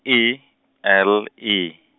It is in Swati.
E, L, E.